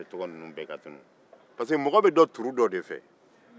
parce que mɔgɔ bɛ dɔn turu dɔ de fɛ